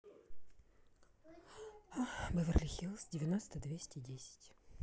беверли хиллз девяносто двести десять